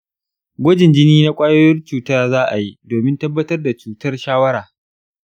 gwajin jini na ƙwayoyin cuta za a yi domin tabbatar da cutar shawara.